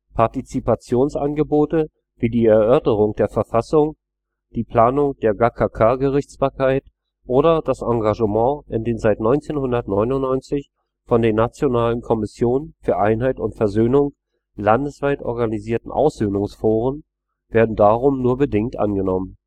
Partizipationsangebote – wie die Erörterung der Verfassung, die Planung der Gacaca-Gerichtsbarkeit oder das Engagement in den seit 1999 von der Nationalen Kommission für Einheit und Versöhnung landesweit organisierten Aussöhnungsforen – werden darum nur bedingt angenommen